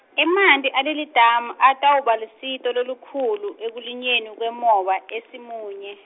emanti alelidamu atawuba lusito lolukhulu ekulinyweni kwemoba eSimunye.